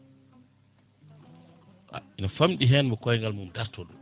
a ene famɗi hen mo koygal mum darto ɗo